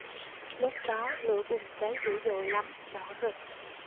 lúc đó lửa bùng cháy dữ dội lắm đỏ rực